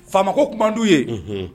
Faama ko kuma'u ye